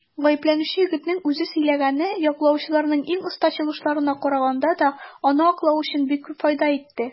Гаепләнүче егетнең үзе сөйләгәне яклаучыларның иң оста чыгышларына караганда да аны аклау өчен бик күп файда итте.